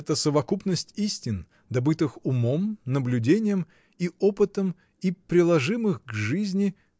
это совокупность истин, добытых умом, наблюдением и опытом и приложимых к жизни.